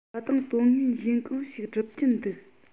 ད དུང དོན ངན གཞན གང ཞིག སྒྲུབ ཀྱིན འདུག